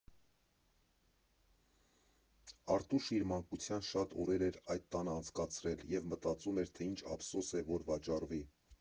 Արտուշը իր մանկության շատ օրեր էր այդ տանը անցկացրել, և մտածում էր թե ինչ ափսոս է, որ վաճառվի։